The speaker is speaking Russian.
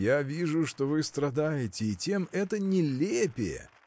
— Я вижу, что вы страдаете, и тем это нелепее!